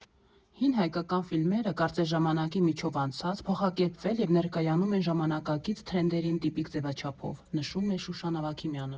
Հին հայկական ֆիլմերը կարծես ժամանակի միջով անցած՝ փոխակերպվել և ներկայանում են ժամանակակից թրենդերին տիպիկ ձևաչափով, ֊ նշում է Շուշան Ավագիմյանը։